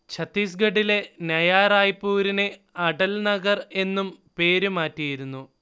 ഛത്തീസ്ഗഢിലെ നയാ റായ്പുരിനെ അടൽ നഗർ എന്നും പേരുമാറ്റിയിരുന്നു